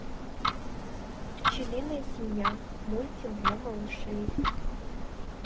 пчелиная семья мультик для малышей